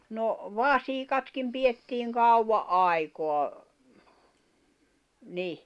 no vasikatkin pidettiin kauan aikaa niin